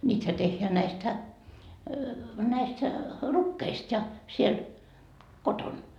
niitähän tehdään näistä näistä rukiista ja siellä kotona